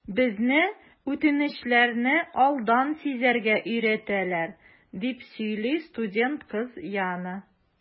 Безне үтенечләрне алдан сизәргә өйрәтәләр, - дип сөйли студент кыз Яна.